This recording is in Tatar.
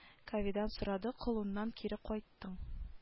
Кавидан сорады колуннан кире кайттың